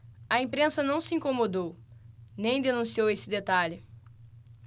a imprensa não se incomodou nem denunciou esse detalhe